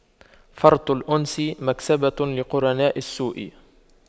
فرط الأنس مكسبة لقرناء السوء